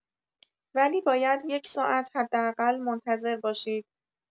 ولی باید یک ساعت حداقل منتظر باشید.